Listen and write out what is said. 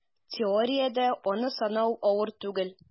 Теориядә аны санау авыр түгел: